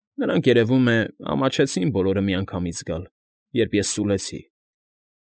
Նրանք, երևում է, ամաչեցին բոլորը միանգամից գալ, երբ ես սուլեցի։